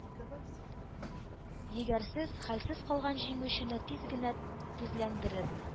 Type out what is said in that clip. Егәрсез, хәлсез калган җиңүчене тиз генә тезләндереп,